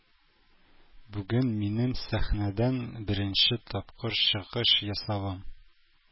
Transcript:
Бүген минем сәхнәдән беренче тапкыр чыгыш ясавым.